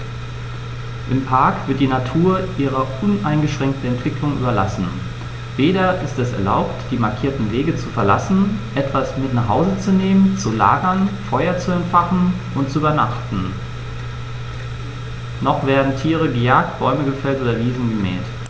Im Park wird die Natur ihrer uneingeschränkten Entwicklung überlassen; weder ist es erlaubt, die markierten Wege zu verlassen, etwas mit nach Hause zu nehmen, zu lagern, Feuer zu entfachen und zu übernachten, noch werden Tiere gejagt, Bäume gefällt oder Wiesen gemäht.